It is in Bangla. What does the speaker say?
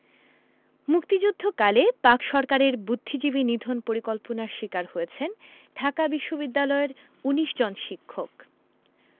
মুক্তিযুদ্ধকালে পাক সরকারের বুদ্ধিজীবী নিধন পরিকল্পনার শিকার হয়েছেন ঢাকা বিশ্ববিদ্যালয়ের ১৯ জন শিক্ষক